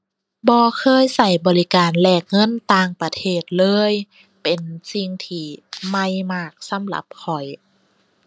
บ่เคยใช้บริการแลกเงินต่างประเทศเลย เป็นสิ่งที่ใหม่มากสำหรับข้อย